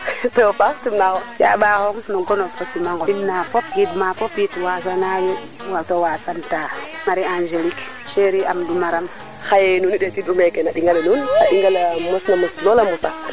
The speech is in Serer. kaga nding lo Daba parce que fasaɓ fe ren moom jaɓe fasaɓ fe moom o dufa nga o dufa nga bata sax it a weer salade ke comme ke Ndiounga leyna rek yenisaay o daaw yenisaay daaw kiro